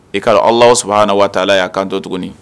I k'a dɔn Alahu subahana wataala y'a kanto tuguni